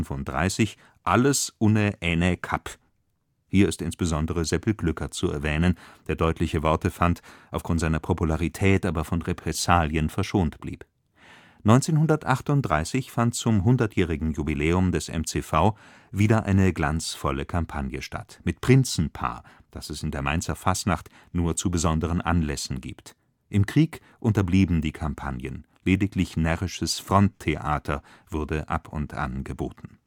1935: „ Alles unner ääner Kapp '“). Hier ist insbesonder Seppel Glückert zu erwähnen, der deutliche Worte fand, aufgrund seiner Popularität aber von Repressalien verschont blieb. 1938 fand zum 100-jährigen Jubiläum des MCV wieder eine glanzvolle Kampagne statt, mit Prinzenpaar, das es in der Mainzer Fastnacht nur zu besonderen Anlässen gibt. Im Krieg unterblieben die Kampagnen. Lediglich närrisches Fronttheater wurde ab und an geboten